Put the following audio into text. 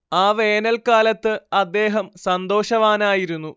ആ വേനൽക്കാലത്ത് അദ്ദേഹം സന്തോഷവാനായിരുന്നു